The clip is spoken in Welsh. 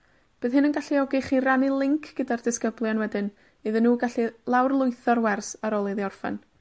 Bydd hyn yn galluogi chi rannu linc gyda'r disgyblion wedyn, iddyn nw gallu lawr-lwytho'r wers ar ôl iddi orffen.